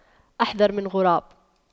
أحذر من غراب